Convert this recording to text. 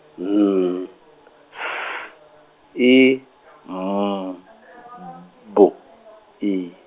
N S I M B I.